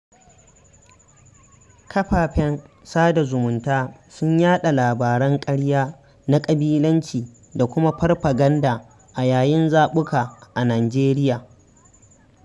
Kafafen sada zumunta sun yaɗa labaran ƙarya na ƙabilanci da kuma farfaganda a yayin zaɓuka a Nijeriya.